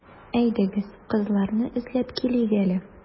Әйдәгез, кызларны эзләп килик әле.